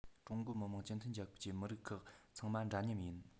ཀྲུང ཧྭ མི དམངས སྤྱི མཐུན རྒྱལ ཁབ ཀྱི མི རིགས ཁག ཚང མ འདྲ མཉམ ཡིན